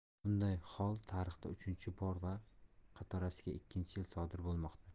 bunday hol tarixda uchinchi bor va qatorasiga ikkinchi yil sodir bo'lmoqda